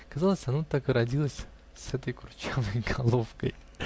Казалось, она так и родилась с этой курчавой головкой.